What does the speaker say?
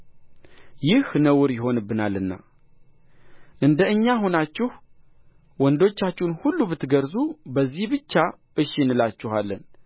ይህ ነውር ይሆንብናልና እንደ እኛ ሆናችሁ ወንዶቻችሁን ሁሉ ብትገርዙ በዚህ ብቻ እሺ እንላችኋለን